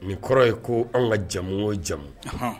Nin kɔrɔ ye ko anw ka jamu o jamu